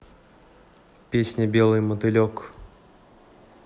песня белый мотылек